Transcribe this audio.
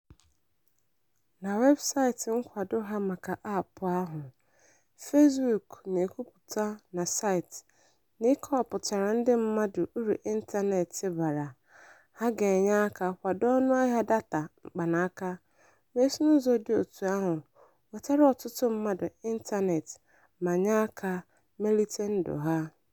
Na webụsaịtị nkwado ha maka aapụ ahụ, Facebook na-ekwupụta na “[site] n'ịkọwapụtara ndị mmadụ uru ịntaneetị bara” ha ga-enye aka kwado ọnụahịa data mkpanaka wee si n'ụzọ dị otú ahụ “wetara ọtụtụ mmadụ ịntaneetị ma nye aka melite ndụ ha.”